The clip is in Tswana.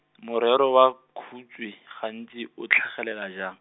morero wa, khutshwe, gantsi, o tlhagelela jang?